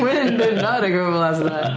Wind in Nottingham last night.